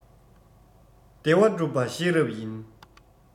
བདེ བ བསྒྲུབ པ ཤེས རབ ཡིན